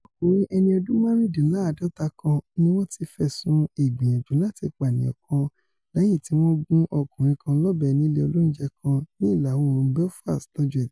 Ọkùnrin ẹni ọdún márùndínláàdọ́ta kan ní wọ́n ti fẹ̀sùn ìgbìyànjú láti pànìyàn kàn lẹ́yìn tíwọ́n gún ọkùnrin kan lọ́bẹ nílé oúnjẹ kan ní ìlà-oòrùn Belfast lọ́jọ́ Ẹtì.